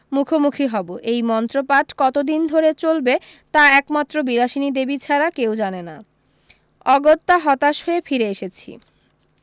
মুখোমুখি হবো এই মন্ত্রপাঠ কতদিন ধরে চলবে তা একমাত্র বিলাসিনী দেবী ছাড়া কেউ জানে না অগত্যা হতাশ হয়ে ফিরে এসেছি